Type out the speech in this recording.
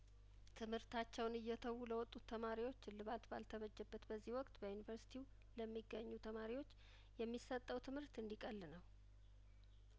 ትምህርታቸውን እየተዉ ለወጡት ተማሪዎች እልባት ባልተበጀለት በዚህ ወቅት በዩኒቨርስቲው ለሚገኙ ተማሪዎች የሚሰጠው ትምህርት እንዲቀል ነው